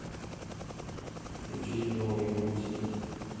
включить новые мультики